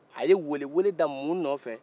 a ye weeleweele da mun nɔ fɛ